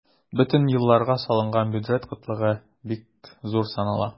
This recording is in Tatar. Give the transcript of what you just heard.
Бөтен елларга салынган бюджет кытлыгы бик зур санала.